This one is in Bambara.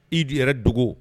I di yɛrɛ dogo